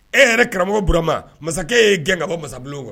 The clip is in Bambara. E yɛrɛ karamɔgɔ Burama masakɛ y'e gɛn ka bɔ masabulon ŋɔ